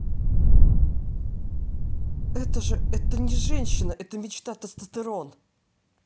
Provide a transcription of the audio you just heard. это же это не женщина это мечта тестостерон